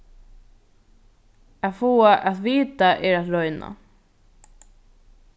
at fáa at vita er at royna